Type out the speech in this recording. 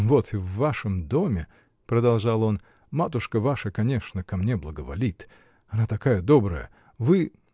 -- Вот и в вашем доме, -- продолжал он, -- матушка ваша, конечно, ко мне благоволит -- она такая добрая вы.